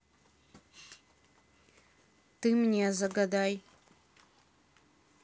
ты мне загадай